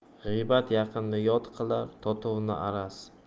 g'iybat yaqinni yot qilar totuvni araz